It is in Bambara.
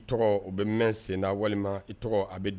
I tɔgɔ o bɛ mɛn senna walima i tɔgɔ a bɛ